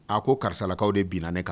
A ko karisalakaw de bin ne kan